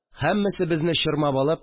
Һәммәсе, безне чормап алып